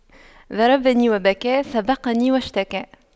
ضربني وبكى وسبقني واشتكى